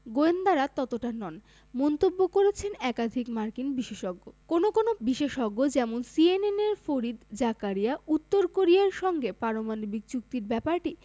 গোয়েন্দারা ততটা নন মন্তব্য করেছেন একাধিক মার্কিন বিশেষজ্ঞ কোনো কোনো বিশেষজ্ঞ যেমন সিএনএনের ফরিদ জাকারিয়া উত্তর কোরিয়ার সঙ্গে পারমাণবিক চুক্তির ব্যাপারটি